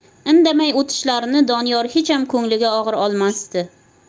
indamay o'tishlarini doniyor hecham ko'ngliga og'ir olmasdi